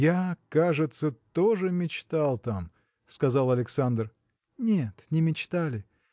– Я, кажется, тоже мечтал там, – сказал Александр. – Нет, не мечтали.